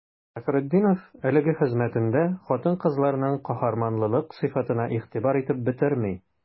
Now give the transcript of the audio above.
Фәхретдинов әлеге хезмәтендә хатын-кызларның каһарманлылык сыйфатына игътибар итеп бетерми.